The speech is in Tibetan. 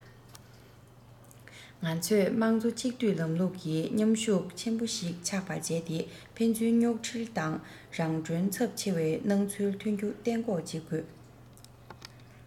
ང ཚོས དམངས གཙོ གཅིག སྡུད ལམ ལུགས ཀྱི མཉམ ཤུགས ཆེན པོ ཞིག ཆགས པ བྱས ཏེ ཕན ཚུན རྙོག འཁྲིལ དང རང གྲོན ཚབས ཆེ བའི སྣང ཚུལ ཐོན རྒྱུ གཏན འགོག བྱེད དགོས